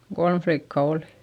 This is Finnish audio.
kolme likkaa oli